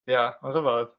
Ia, ma'n rhyfedd.